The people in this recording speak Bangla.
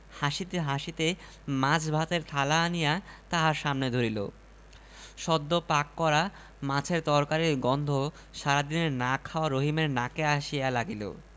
আরব পণ্ডিত তাই বক্তব্য শেষ করেছেন কিউ ই ডি দিয়ে অতএব সপ্রমাণ হল জ্ঞানার্জন ধনার্জনের চেয়ে মহত্তর